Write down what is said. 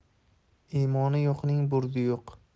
imoni yo'qning burdi yo'q